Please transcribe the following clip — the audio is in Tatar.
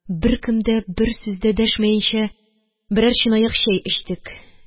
Беркем дә бер сүз дә дәшмәенчә берәр чынаяк чәй эчтек